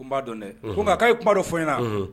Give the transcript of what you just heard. N b'a dɔn dɛ ko nka' ye kumadɔ fɔ in na